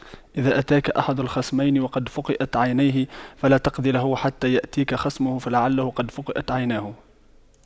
إذا أتاك أحد الخصمين وقد فُقِئَتْ عينه فلا تقض له حتى يأتيك خصمه فلعله قد فُقِئَتْ عيناه